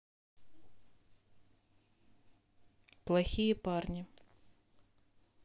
плохие парни